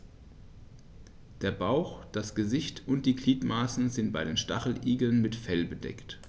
Der Bauch, das Gesicht und die Gliedmaßen sind bei den Stacheligeln mit Fell bedeckt.